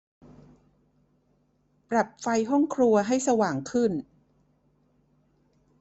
ปรับไฟห้องครัวให้สว่างขึ้น